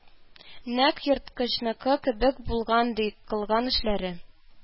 Нәкъ ерткычныкы кебек булган, ди, кылган эшләре